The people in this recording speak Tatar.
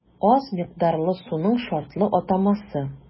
Аз микъдарлы суның шартлы атамасы.